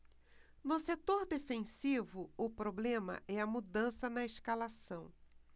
no setor defensivo o problema é a mudança na escalação